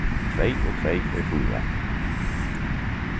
tvey og tvey er fýra